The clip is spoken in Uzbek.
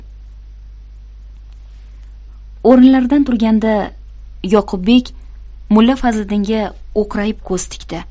o'rinlaridan turganda yoqubbek mulla fazliddinga o'qrayib ko'z tikdi